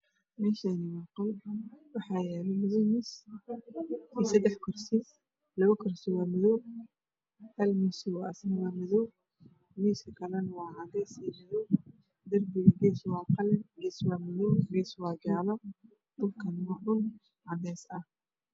Meeshaan waa qol waxaa yaalo labo miis seddex kursi. labo kursi waa madow hal miisna waa madow. Miiska kalana waa cadeys darbigana gees waa madow gees waa qalin gees waa jaalo dhulkana waa cadeys.